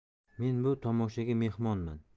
men bu tomoshaga mehmonman